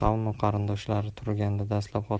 qavm qarindoshlari turganda dastlab